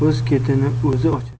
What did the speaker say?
o'z ketini o'zi ochar